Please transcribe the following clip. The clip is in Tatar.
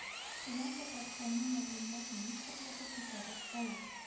Шуннан татарстанның мәдәният министрлыгы күтәреп ала